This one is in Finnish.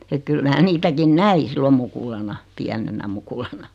että kyllä minä niitäkin näin silloin mukulana pienenä mukulana